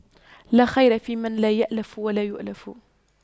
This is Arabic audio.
لا خير فيمن لا يَأْلَفُ ولا يؤلف